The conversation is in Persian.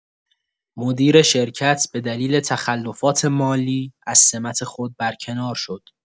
مدیر شرکت به دلیل تخلفات مالی از سمت خود برکنار شد.